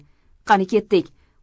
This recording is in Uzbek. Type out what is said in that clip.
qani ketdik